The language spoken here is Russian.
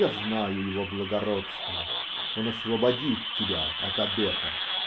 Я знаю его благородство: он освободит тебя от обета.